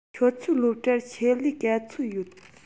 ཁྱོད ཚོའི སློབ གྲྭར ཆེད ལས ག ཚོད ཡོད